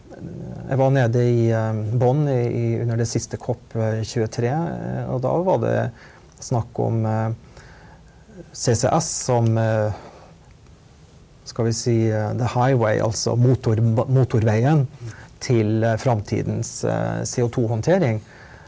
jeg var nede i Bonn i i under det siste COP 23 og da var det snakk om CCS som skal vi si altså motorveien til framtidens CO2-håndtering.